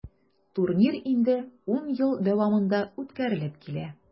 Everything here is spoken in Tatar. Турнир инде 10 ел дәвамында үткәрелеп килә.